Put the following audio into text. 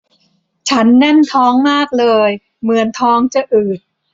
ฉันแน่นท้องมากเลยเหมือนท้องจะอืด